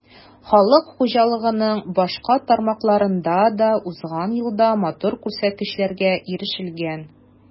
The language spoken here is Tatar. Халык хуҗалыгының башка тармакларында да узган елда матур күрсәткечләргә ирешелгән.